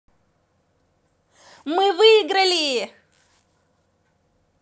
мы выиграли